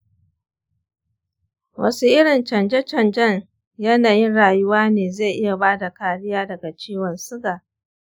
wasu irin canje canjen yanayin rayuwa ne zai iya bada kariya daga ciwon siga?